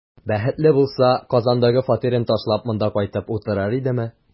Бәхетле булса, Казандагы фатирын ташлап, монда кайтып утырыр идеме?